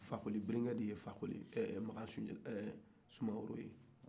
fakoli burancɛ de ye sumaworo ye